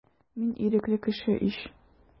Мин ирекле кеше ич.